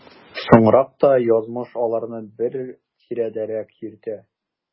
Соңрак та язмыш аларны бер тирәдәрәк йөртә.